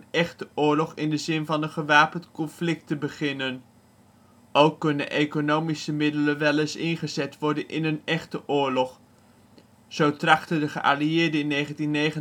echte " oorlog in de zin van een gewapend conflict te beginnen. Ook kunnen economische middelen wel eens ingezet worden in een echte oorlog. Zo trachtten de geallieerden in 1939-1940